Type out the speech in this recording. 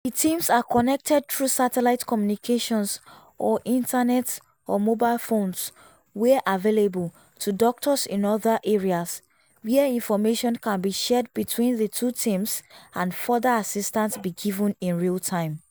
The teams are connected through satellite communications or internet/mobile phones (where available) to doctors in other areas, where information can be shared between the two teams and further assistance be given in real-time.”